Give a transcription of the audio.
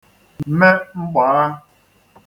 me mgbàgha